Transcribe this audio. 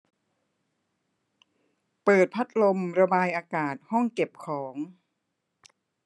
เปิดพัดลมระบายอากาศห้องเก็บของ